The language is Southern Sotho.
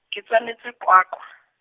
ke tswaletswe Qwaqwa.